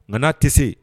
Nka' tɛ se